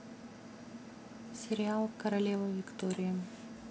сериал королева виктория